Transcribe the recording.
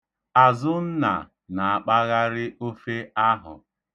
Azụnna na-akpagharị ofe ahụ.